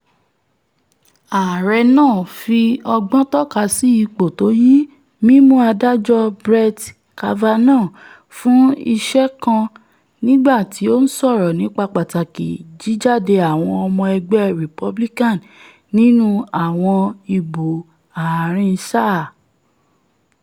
Ààrẹ náà fi ọgbọ́n tọ́kasí ipò tóyí mímú Adájọ́ Brett Kavanaugh fún iṣẹ̀ ká nígbà tí ó ńsọ̀rọ̀ nípa pàtàkì jíjáde àwọn ọmọ ẹgbẹ́ Republican nínú àwọn ìbò ààrin sáà.